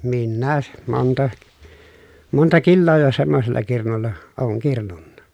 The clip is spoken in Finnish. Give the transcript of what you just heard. minäkin monta monta kiloa jo semmoisella kirnulla olen kirnunnut